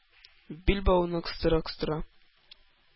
Билбавына кыстыра-кыстыра,